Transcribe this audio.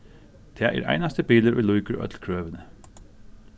tað er einasti bilur ið lýkur øll krøvini